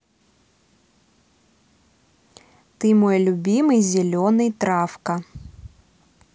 ты мой любимый зеленый травка